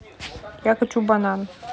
я хочу банан